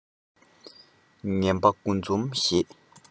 ངན པ དགུ འཛོམས ཞེས